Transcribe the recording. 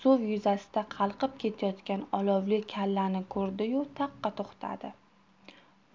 suv yuzida qalqib kelayotgan olovli kallani ko'rdiyu taqqa to'xtadi